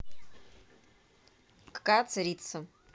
какая царица